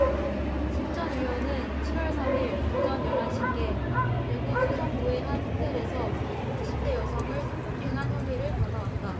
심 전 의원은 칠 월 십 삼 일 오전 열 한 시께 대구 수성구의 한 호텔에서 사십 대 여성을 성폭행한 혐의를 받아 왔다